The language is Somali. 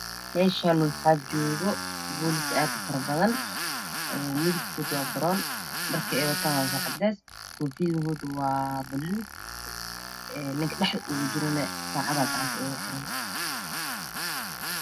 Meeshaan waxaa joogo boolis aad u fara badan. Ee midabkooda waa boroom dharka ay wadaan waa cadays koofidoodu waa baluug. Ninka dhexda uga jirane saacad gacanta uga xiran.